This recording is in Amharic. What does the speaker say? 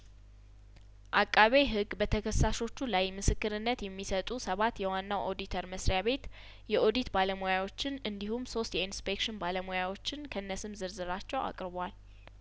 አቃቤ ህግ በተከሳሾቹ ላይ ምስክርነት የሚሰጡ ሰባት የዋናው ኦዲተር መስሪያ ቤት የኦዲት ባለሙያዎችን እንዲሁም ሶስት የኢንስፔክሽን ባለሙያዎችን ከነ ስም ዝርዝራቸው አቅርቧል